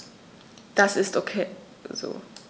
Das ist ok so.